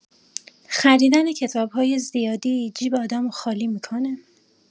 خریدن کتاب‌های زیادی جیب آدمو خالی می‌کنه